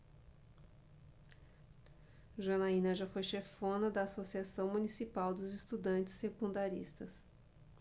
janaina foi chefona da ames associação municipal dos estudantes secundaristas